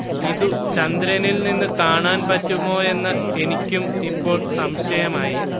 ഇതു ചന്ദ്രനിൽ നിന്ന് കാണാൻ പറ്റുമോ എന്ന് എനിക്കും ഇപ്പോൾ സംശയം ആയി